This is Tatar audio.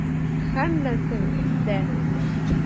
Һәммәсен дә.